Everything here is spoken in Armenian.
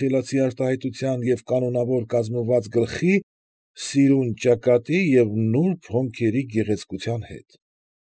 Խելացի արտահայտության և կանոնավոր կազմված գլխի, սիրուն ճակատի և նուրբ հոնքերի գեղեցկության հետ։